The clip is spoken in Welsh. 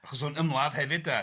Achos o'n ymladd hefyd de. Ie